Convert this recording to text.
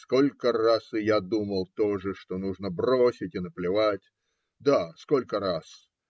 Сколько раз и я думал тоже, что нужно бросить и наплевать! Да, сколько раз!